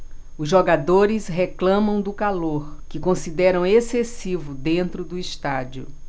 os jogadores reclamam do calor que consideram excessivo dentro do estádio